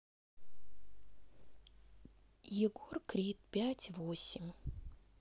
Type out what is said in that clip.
егор крид пять восемь